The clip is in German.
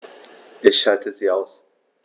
Ich schalte sie aus.